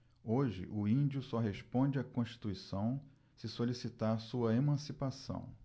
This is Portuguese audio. hoje o índio só responde à constituição se solicitar sua emancipação